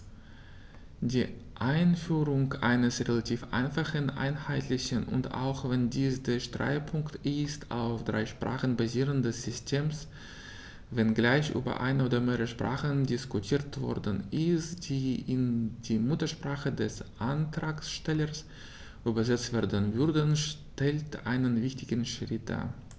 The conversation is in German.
Die Einführung eines relativ einfachen, einheitlichen und - auch wenn dies der Streitpunkt ist - auf drei Sprachen basierenden Systems, wenngleich über eine oder mehrere Sprachen diskutiert worden ist, die in die Muttersprache des Antragstellers übersetzt werden würden, stellt einen wichtigen Schritt dar.